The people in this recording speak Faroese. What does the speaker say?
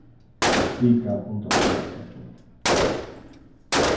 strika undanfarna setning